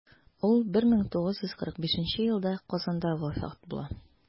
Ул 1945 елда Казанда вафат була.